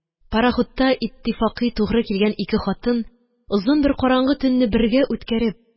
Парахутта иттифакый тугры килгән ике хатын озын бер караңгы төнне бергә үткәреп